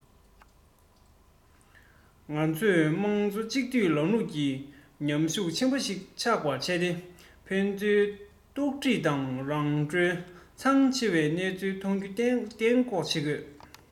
ང ཚོས དམངས གཙོ གཅིག སྡུད ལམ ལུགས ཀྱི མཉམ ཤུགས ཆེན པོ ཞིག ཆགས པ བྱས ཏེ ཕན ཚུན རྙོག འཁྲིལ དང རང གྲོན ཚབས ཆེ བའི སྣང ཚུལ ཐོན རྒྱུ གཏན འགོག བྱེད དགོས